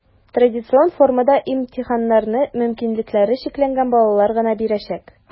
Традицион формада имтиханнарны мөмкинлекләре чикләнгән балалар гына бирәчәк.